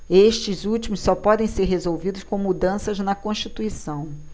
estes últimos só podem ser resolvidos com mudanças na constituição